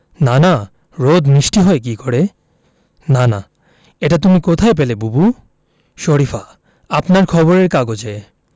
বাদশা মৃদু মৃদু হাসে আবার তার স্বপ্নের ঘোর লাগে আবার সে রহস্যময় হয়ে উঠে বিধবা বোন চার ছেলেমেয়ে নিয়ে বাপের ঘাড়ে আছে